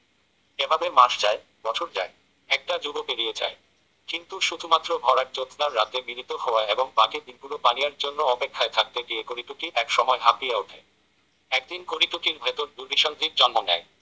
এভাবে মাস যায় বছর যায় একটা যুগও পেরিয়ে যায় কিন্তু শুধুমাত্র ভরাট জ্যোৎস্নার রাতে মিলিত হওয়া এবং বাকি দিনগুলো পানিয়ার জন্য অপেক্ষায় থাকতে গিয়ে করিটুকি এক সময় হাঁপিয়ে ওঠে একদিন করিটুকির ভেতর দুরভিসন্ধির জন্ম নেয়